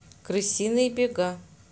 крысиные бега